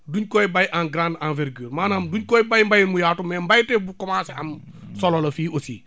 duñ koy bay en grande envergure maanaam duñ koy bay mbay mu yaatu mais mbayteef bu commencé am solo la fii aussi